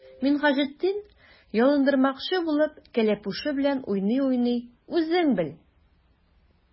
Минһаҗетдин, ялындырмакчы булып, кәләпүше белән уйный-уйный:— Үзең бел!